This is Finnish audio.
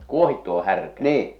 kuohittu on härkä